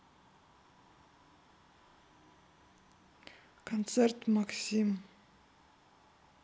концерт максим